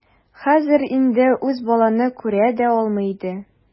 Хәзер инде ул баланы күрә дә алмый иде.